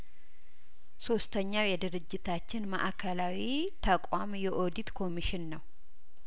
ሶስተኛው የድርጅታችን ማእከላዊ ተቋም የኦዲት ኮሚሽን ነው